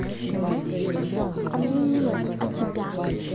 а мне нет а тебя